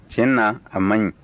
tiɲɛ na a man ɲi